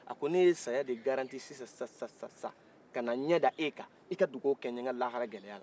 a ko ne ye saya de garanti sisan-sisan-sisan ka na n ɲɛ da e kan e ka dugawu kɛ n ye n ka lahara gɛlɛya la